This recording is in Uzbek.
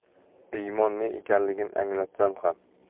iymon ne ekanligin anglatsam ham